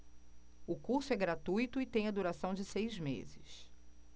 o curso é gratuito e tem a duração de seis meses